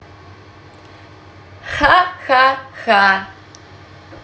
ха ха ха